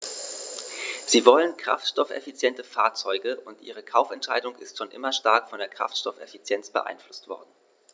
Sie wollen kraftstoffeffiziente Fahrzeuge, und ihre Kaufentscheidung ist schon immer stark von der Kraftstoffeffizienz beeinflusst worden.